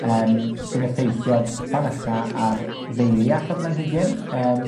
yym sy'n effeithio fanycha ar ddeiliach y planhigyn, yym